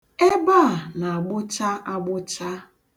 Ebe a na-agbụcha agbụcha.